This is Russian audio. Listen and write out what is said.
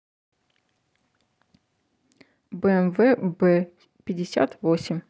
бмв б пятьдесят восемь